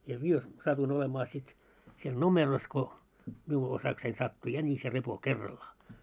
ja minä satuin olemaan sitten siellä numerossa kun minun osakseni sattui jänis ja repo kerrallaan